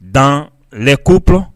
Dans les couples